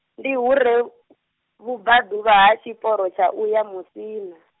ndi hu re , vhubvaḓuvha ha tshiporo tsha u ya Musina.